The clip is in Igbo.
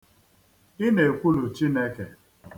Ị na-ekwulu Chineke.